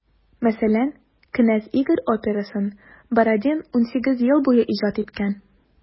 Мәсәлән, «Кенәз Игорь» операсын Бородин 18 ел буе иҗат иткән.